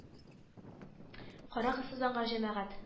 — карагыз сез аңар, җәмәгать